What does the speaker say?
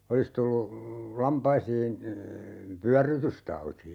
olisi tullut lampaisiin pyörrytystauti